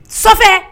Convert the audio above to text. So